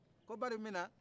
ko bari minna